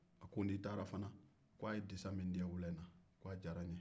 n'i tara fana k'a ye disa min diyan wula in na k'a diyara n ye